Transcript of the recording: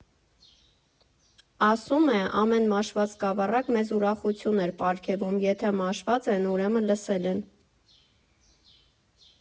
Ասում է՝ ամեն մաշված սկավառակ մեզ ուրախություն էր պարգևում՝ եթե մաշված են, ուրեմն լսել են։